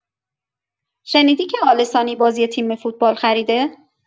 شنیدی که آل‌ثانی باز یه تیم فوتبال خریده؟